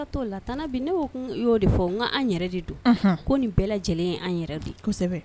N' o la tan bi ne y'o y' de fɔ nan yɛrɛ de don ko nin bɛɛ lajɛlen an yɛrɛ don kosɛbɛ